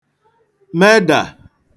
medà